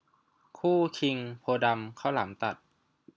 คู่คิงโพธิ์ดำข้าวหลามตัด